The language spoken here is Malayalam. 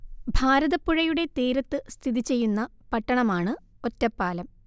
ഭാരതപ്പുഴയുടെ തീരത്ത് സ്ഥിതി ചെയ്യുന്ന പട്ടണമാണ് ഒറ്റപ്പാലം